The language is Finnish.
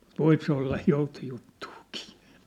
mutta voi se olla joutojuttuakin